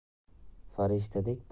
farishtadek pok deb bilgan